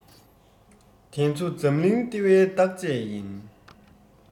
དེ ཚོ འཛམ གླིང ལྟེ བའི བརྟག དཔྱད ཡིན